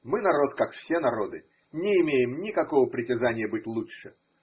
Мы народ, как все народы; не имеем никакого притязания быть лучше.